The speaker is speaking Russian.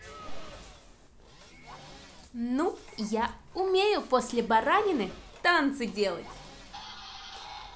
ну я умею после баранины танцы делать